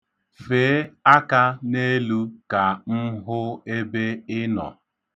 Fee aka n'elu ka m hụ ebe ị nọ.